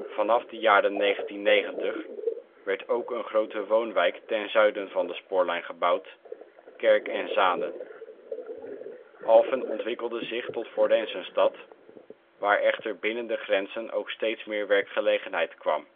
Vanaf de jaren 1990 werd ook een grote woonwijk ten zuiden van de spoorlijn gebouwd, Kerk en Zanen. Alphen ontwikkelde zich tot forensenstad, waar echter binnen de grenzen ook steeds meer werkgelegenheid kwam